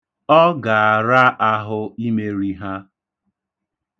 Ọ ga-ara ahụ imeri ha.